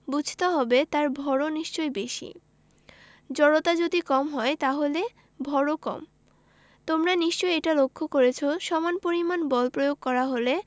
বুঝতে হবে তার ভরও নিশ্চয়ই বেশি জড়তা যদি কম হয় তাহলে ভরও কম তোমরা নিশ্চয়ই এটা লক্ষ করেছ সমান পরিমাণ বল প্রয়োগ করা হলে